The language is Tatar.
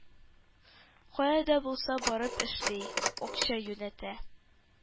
Кая да булса барып эшли, акча юнәтә.